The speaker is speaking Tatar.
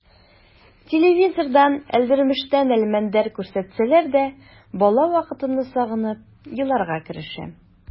Телевизордан «Әлдермештән Әлмәндәр» күрсәтсәләр дә бала вакытымны сагынып еларга керешәм.